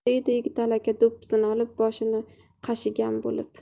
dedi yigitali aka do'ppisini olib boshini qashigan bo'lib